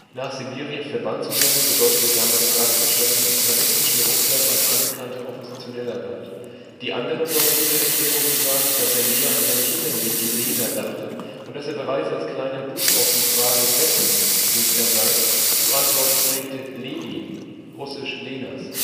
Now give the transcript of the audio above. nach Sibirien verbannt zu werden bedeutete damals praktisch, dass man im zaristischen Russland als anerkannter Oppositioneller galt. Die andere plausible Erklärung besagt, dass er mehr an sein Kindermädchen Lena dachte und dass er bereits als kleiner Bub auf die Frage, „ wessen [Bub] er sei “zu antworten pflegte: „ Lenin! “(russisch: „ Lenas